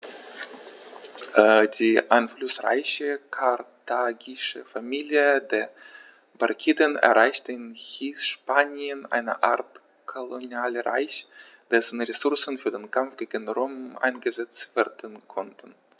Die einflussreiche karthagische Familie der Barkiden errichtete in Hispanien eine Art Kolonialreich, dessen Ressourcen für den Kampf gegen Rom eingesetzt werden konnten.